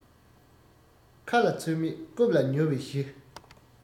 ཁ ལ ཚོད མེད རྐུབ ལ ཉོ བའི གཞི